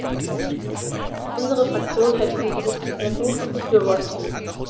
Unsere Fraktion hält diesen Bericht für sehr gut und befürwortet ihn.